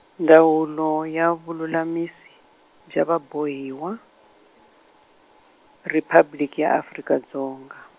Ndwawulo ya Vululamisi, bya Vabohiwa, Riphabliki ya Afrika Dzonga.